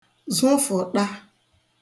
zụfụ̀ṭa